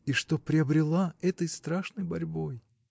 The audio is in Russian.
— И что приобрела этой страшной борьбой?